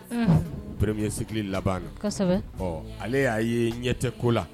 Unhun, premier cyle laban na , unuhun, ,kosɛbɛ, ale y'a ye ɲɛtɛ ko la.